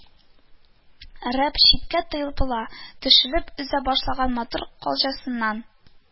Реп, читкә тайпыла, тешләп өзә башлаган матур калҗасыннан